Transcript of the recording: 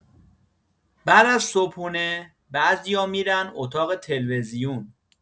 بعد از صبحونه، بعضی‌ها می‌رن اتاق تلویزیون.